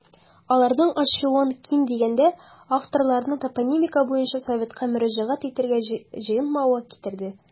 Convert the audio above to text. Аларның ачуын, ким дигәндә, авторларның топонимика буенча советка мөрәҗәгать итәргә җыенмавы китерде.